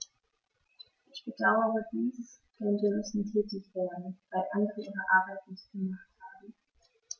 Ich bedauere dies, denn wir müssen tätig werden, weil andere ihre Arbeit nicht gemacht haben.